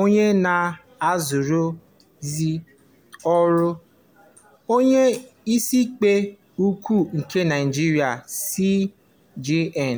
onye na-arụzị ọrụ Onyeisiikpe Ukwu nke Naịjirịa (CJN).